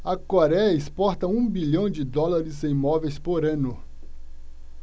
a coréia exporta um bilhão de dólares em móveis por ano